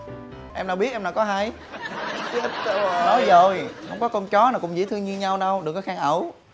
em nào biết em nào có hay nói rồi không có con chó nào cũng dễ thương như nhau đâu đừng có khen ẩu